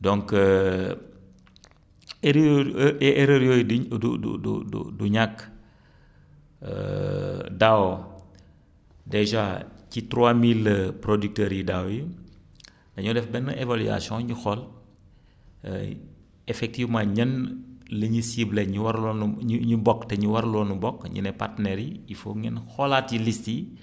donc erreur yooyu erreur yooyu di du du du du ñàkk daaw dèjà ci trois mille producteurs yu daaw yi dañoo def benn évaluation ñu xool effectivement ñan la ñuy ciblé ñu warulwoon a ñu ñu bokk te warulwoon a bokk ñu ne partenaires yi il faut ngeen xolaat ci liostes yi